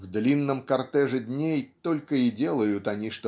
В длинном кортеже дней только и делают они